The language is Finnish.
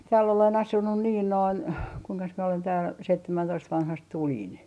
täällä olen asunut niin noin kuinkas minä olen täällä seitsemäntoista vanhasta tulin